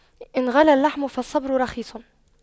إن غلا اللحم فالصبر رخيص